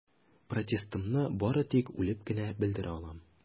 Протестымны бары тик үлеп кенә белдерә алам.